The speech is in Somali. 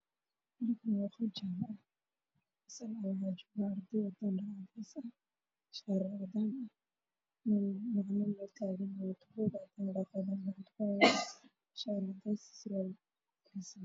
Waa school waxaa jooga wiilal wata shaati cadaan